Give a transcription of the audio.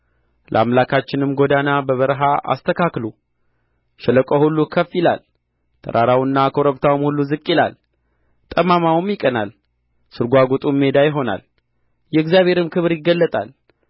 ለአምላካችንም ጐዳና በበረሀ አስተካከሉ ሸለቆው ሁሉ ከፍ ይላል ተራራውና ኮረብታውም ሁሉ ዝቅ ይላል ጠማማውም ይቃናል ስርጓጕጡም ሜዳ ይሆናል የእግዚአብሔርም ክብር ይገለጣል